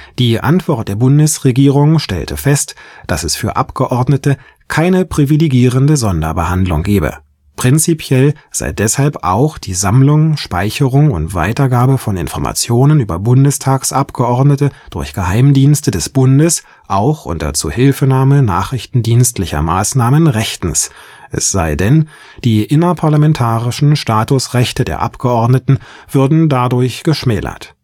Die Antwort der Bundesregierung stellte fest, dass es für Abgeordnete „ keine privilegierende Sonderbehandlung “gebe. Prinzipiell sei deshalb auch die Sammlung, Speicherung und Weitergabe von Informationen über Bundestagsabgeordnete durch Geheimdienste des Bundes – auch unter Zuhilfenahme nachrichtendienstlicher Maßnahmen – rechtens, es sei denn, die „ innerparlamentarischen Statusrechte “der Abgeordneten würden dadurch geschmälert